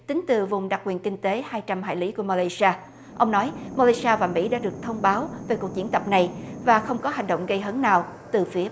tính từ vùng đặc quyền kinh tế hai trăm hải lý của ma lay si a ông nói ma lay si a và mỹ đã được thông báo về cuộc diễn tập này và không có hành động gây hấn nào từ phía